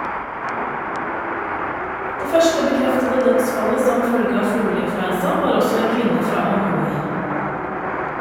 Det første bekreftede dødsfallet som følge av fugleinfluensa var også en kvinne fra Anhui.